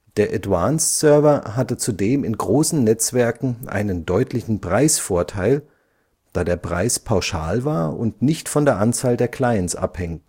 Der Advanced Server hatte zudem in großen Netzwerken einen deutlichen Preisvorteil, da der Preis pauschal war und nicht von der Anzahl der Clients abhängig